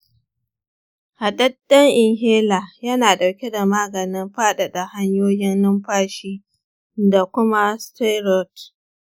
haɗaɗɗen inhaler yana ɗauke da maganin faɗaɗa hanyoyin numfashi da kuma steroid.